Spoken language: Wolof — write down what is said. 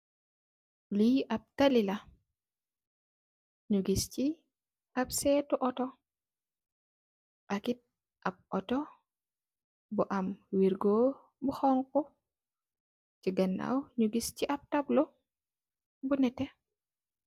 Li ap tall la, ñgi gis ci ap seetu otto ak kit ap Otto bu am wirgo bu xonxu , ci ganaw ñi gis ci ap tapla bu netteh.